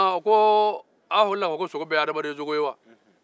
u ko aw hakili la k'a fɔ sogo bɛɛ ye hamaden sogo ye wa